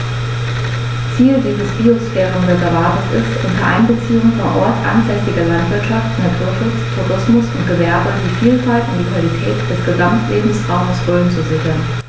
Ziel dieses Biosphärenreservates ist, unter Einbeziehung von ortsansässiger Landwirtschaft, Naturschutz, Tourismus und Gewerbe die Vielfalt und die Qualität des Gesamtlebensraumes Rhön zu sichern.